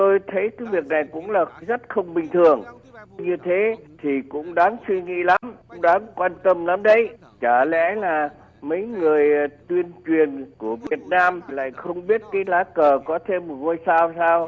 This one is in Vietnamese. tôi thấy cái việc này cũng là rất không bình thường như thế thì cũng đáng suy nghĩ lắm đáng quan tâm lắm đấy chả lẽ là mấy người tuyên truyền của việt nam lại không biết cái lá cờ có thêm một ngôi sao sao